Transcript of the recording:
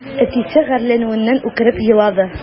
Әтисе гарьләнүеннән үкереп елады.